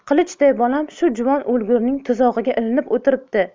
qilichday bolam shu juvon o'lgurning tuzog'iga ilinib o'tiribdi